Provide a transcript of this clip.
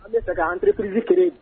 An be fɛ ka entréprise créer